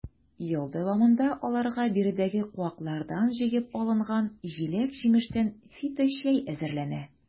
Ел дәвамында аларга биредәге куаклардан җыеп алынган җиләк-җимештән фиточәй әзерләнә.